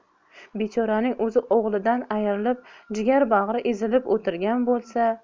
bechoraning o'zi o'g'lidan ayrilib jigar bag'ri ezilib o'tirgan bo'lsa